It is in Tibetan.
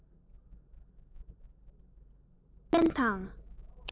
འཆལ ཡན དང